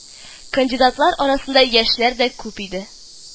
Кандидатлар арасында яшьләр дә күп иде